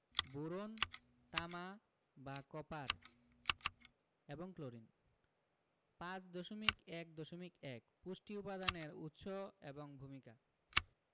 boron তামা বা copper এবং ক্লোরিন 5.1.1 পুষ্টি উপাদানের উৎস এবং ভূমিকা